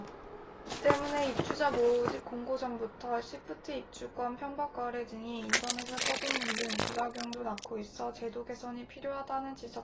이 때문에 입주자 모집공고 전부터 시프트 입주권 편법 거래 등이 인터넷에 떠도는 등 부작용도 낳고 있어 제도 개선이 필요하다는 지적도 적지 않다